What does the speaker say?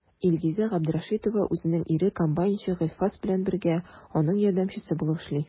Илгизә Габдрәшитова үзенең ире комбайнчы Гыйльфас белән бергә, аның ярдәмчесе булып эшли.